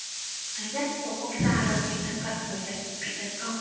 thứ nhất một quốc gia đồng minh thân cận của nhật bị tấn công